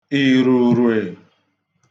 ìrùrwè